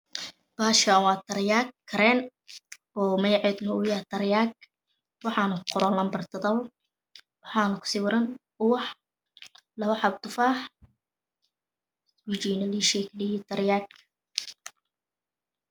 Bahshaan waa tarayn kaaren mageceeduna yahay tarayan waxaana ku qoran number 7 waxaana kusawiran ubax labaxabo tufaax ah wajikagana lishey ka dhigee tarayanta